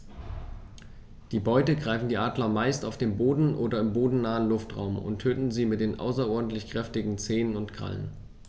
Die Beute greifen die Adler meist auf dem Boden oder im bodennahen Luftraum und töten sie mit den außerordentlich kräftigen Zehen und Krallen.